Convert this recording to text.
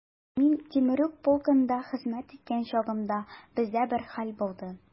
Мин Темрюк полкында хезмәт иткән чагымда, бездә бер хәл булды.